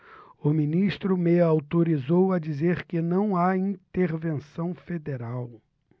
o ministro me autorizou a dizer que não há intervenção federal